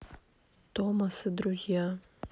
томас и друзья